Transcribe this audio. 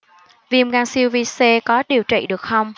viêm gan siêu vi c có điều trị được không